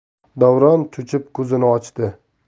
davron cho'chib ko'zini ochdi